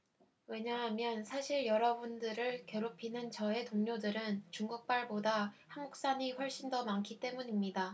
왜냐하면 사실 여러분들을 괴롭히는 저의 동료들은 중국발보다 한국산이 훨씬 더 많기 때문입니다